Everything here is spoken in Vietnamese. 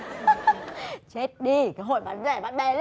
hớ hớ chết đi cái hội bán rẻ bạn bè